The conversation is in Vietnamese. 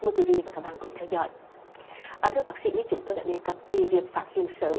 mời quý vị và các bạn cùng theo dõi à thưa bác sĩ như chúng tôi đã đề cập thì việc phát hiện sớm